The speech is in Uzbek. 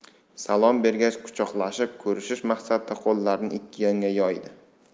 salom bergach quchoqlashib ko'rishish maqsadida qo'llarini ikki yonga yoydi